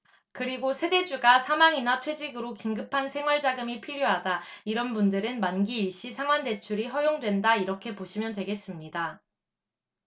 그리고 세대주가 사망이나 퇴직으로 긴급한 생활자금이 필요하다 이런 분들은 만기 일시 상환대출이 허용된다 이렇게 보시면 되겠습니다